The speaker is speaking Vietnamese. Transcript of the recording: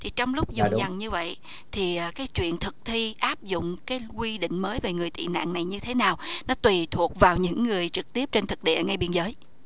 thì trong lúc vùng vằng như vậy thì cái chuyện thực thi áp dụng cái quy định mới về người tị nạn này như thế nào nó tùy thuộc vào những người trực tiếp trên thực tế ngay biên giới